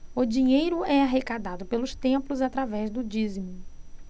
o dinheiro é arrecadado pelos templos através do dízimo